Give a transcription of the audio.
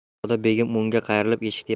xonzoda begim o'ngga qayrilib eshik